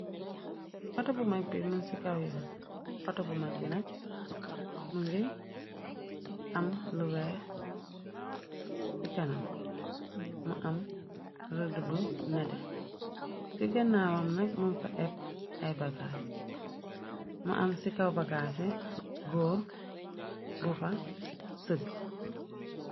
Wata bu mag bi mën ci kaw yoon wato bu mag bi nag mu ngi am louver ci kanam mu am rëd bu nete ci ganaawam nag mun fa epp ay bagaas mu am ci kaw-bagasi góor bu fa sëgg.